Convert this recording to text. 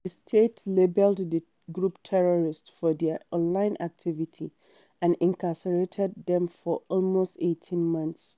The state labeled the group "terrorists" for their online activity and incarcerated them for almost 18 months.